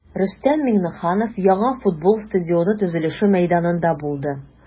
Рөстәм Миңнеханов яңа футбол стадионы төзелеше мәйданында булды.